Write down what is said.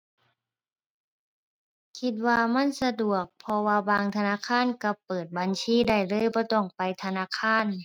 คิดว่ามันสะดวก เพราะว่าบางธนาคารก็เปิดบัญชีได้เลย บ่ต้องไปธนาคาร